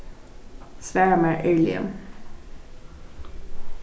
svara mær erliga